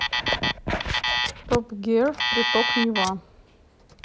top gear приток нива